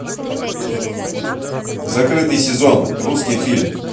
закрытый сезон русский фильм